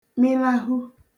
mịlahu